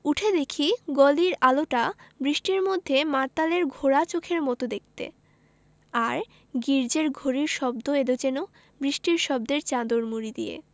উঠে দেখি গলির আলোটা বৃষ্টির মধ্যে মাতালের ঘোলা চোখের মত দেখতে আর গির্জ্জের ঘড়ির শব্দ এল যেন বৃষ্টির শব্দের চাদর মুড়ি দিয়ে